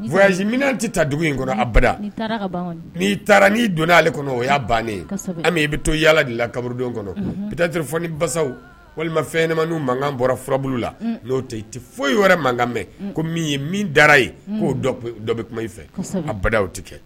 Mina tɛ ta dugu in kɔnɔ a n'i taara n'i don'ale kɔnɔ o y' bannen i bɛ to yalala de basa walima fɛn mankan bɔraurabu la'o tɛ foyi yɛrɛ mɛn ye minra ye k' dɔ bɛ kuma i fɛ a badaw tɛ kɛ